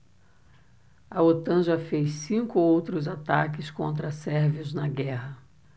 a otan já fez cinco outros ataques contra sérvios na guerra